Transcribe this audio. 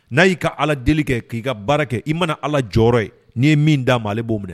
N'a y'i ka ala deli kɛ k'i ka baara kɛ i mana ala jɔyɔrɔ ye n'i ye min d'a ma ale b'o minɛ